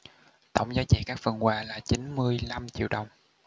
tổng giá trị các phần quà là chín mươi lăm triệu đồng